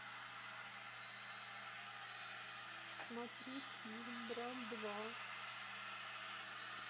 смотреть фильм брат два